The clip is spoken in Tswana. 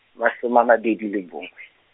masome a mabedi le bongwe.